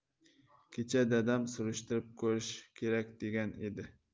kecha dadam surishtirib ko'rish kerak degan edi